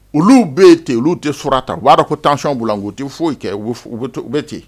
Olu be ye ten olu te fura ta u b'a dɔ ko tension b'u la u te foyi kɛ u be f i be to u be ten